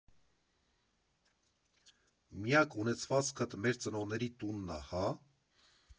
Միակ ունեցվածքդ մեր ծնողների տունն ա, հա՞։